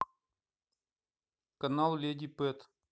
канал леди пэт